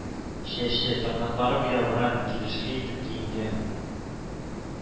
Чәче, тырнаклары буялган, килешле итеп киенгән